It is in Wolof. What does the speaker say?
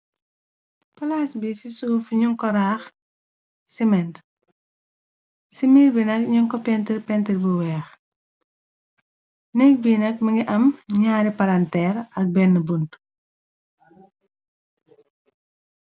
palaas bi ci suuf ñu ko raax siment ci mir bi nak ñun ko pentir pentir bu weex nekk bi nak mi ngi am ñaari paranteer ak benn bunt